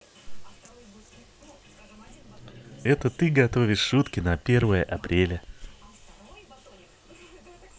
это ты готовишь шутки на первое апреля